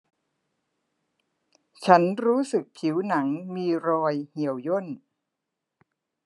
ฉันรู้สึกผิวหนังมีรอยเหี่ยวย่น